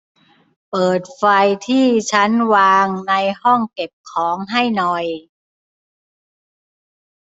เปิดไฟที่ชั้นวางในห้องเก็บของให้หน่อย